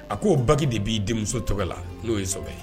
A ko'o baki de b'i denmuso tɔgɔ la n'o ye ye